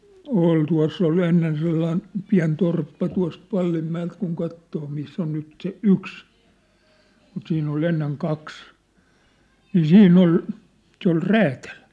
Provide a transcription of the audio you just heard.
oli tuossa se oli ennen sellainen pieni torppa tuosta Vallinmäeltä kun katsoo missä on nyt se yksi mutta siinä oli ennen kaksi niin siinä oli se oli räätäli